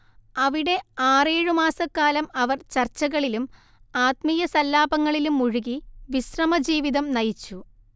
അവിടെ ആറേഴു മാസക്കാലം അവർ ചർച്ചകളിലും ആത്മീയസല്ലാപങ്ങളിലും മുഴുകി വിശ്രമജീവിതം നയിച്ചു